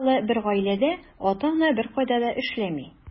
Өч балалы бер гаиләдә ата-ана беркайда да эшләми.